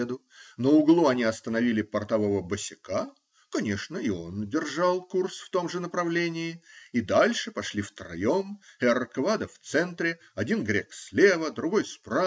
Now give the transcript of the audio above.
На углу они остановили портового босяка (конечно, и он держал курс в том же направлении) и дальше пошли втроем: херр Квада в центре, один грек слева, другой справа.